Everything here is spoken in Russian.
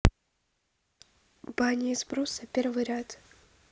баня из бруса первый ряд